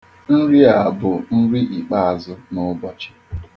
Nri a bụ nri ikpeazụ n'ụbọchị.